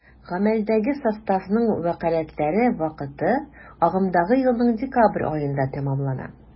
Гамәлдәге составның вәкаләтләре вакыты агымдагы елның декабрь аенда тәмамлана.